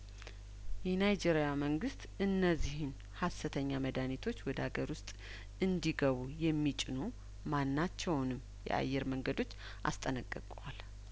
የናይጄሪያ መንግስት እነዚህን ሀሰተኛ መድሀኒቶች ወደ አገር ውስጥ እንዲ ገቡ የሚጭኑ ማናቸውንም የአየር መንገዶች አስጠነቅቋል